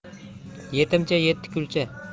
yetimcha yetti kulcha